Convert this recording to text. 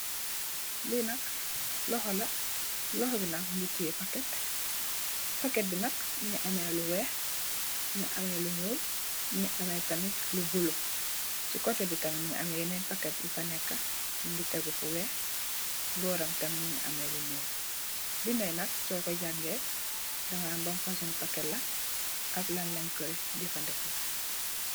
Lee nak lohou la lohou be nak muge teye packet packet be nak muge ameh lu weex muge ameh lu nuul muge ameh tamin lu bulo se koteh be tamin muge ameh yenen packet yufa neka nuge tegu fu weex se boram tamin muge ameh lu nuul beda ye nak soku jange daga ham ban fosung packet la ak lanlenkoye jufaneku.